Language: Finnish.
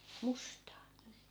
mustaa